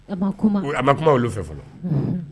A ma kuma oui a ma kuma olu fɛ fɔlɔ, unhun.